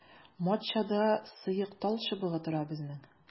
Матчада сыек талчыбыгы тора безнең.